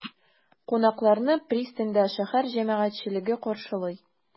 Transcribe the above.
Кунакларны пристаньда шәһәр җәмәгатьчелеге каршылый.